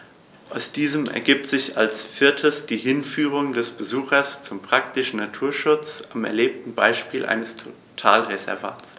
Aus diesen ergibt sich als viertes die Hinführung des Besuchers zum praktischen Naturschutz am erlebten Beispiel eines Totalreservats.